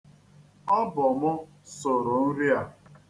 Ọ bụ mụ sụrụ nri a.